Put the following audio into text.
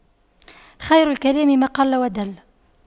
خير الكلام ما قل ودل